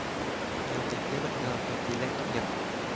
nhiều tỉnh gây bất ngờ về tỷ lệ tốt nghiệp